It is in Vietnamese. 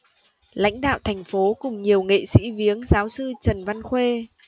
lãnh đạo thành phố cùng nhiều nghệ sĩ viếng giáo sư trần văn khê